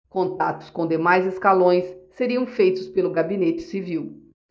contatos com demais escalões seriam feitos pelo gabinete civil